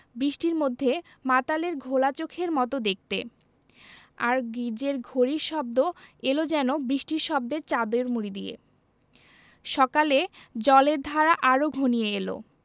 বৃষ্টির মধ্যে মাতালের ঘোলা চোখের মত দেখতে আর গির্জ্জের ঘড়ির শব্দ এল যেন বৃষ্টির শব্দের চাদর মুড়ি দিয়ে সকালে জলের ধারা আরো ঘনিয়ে এল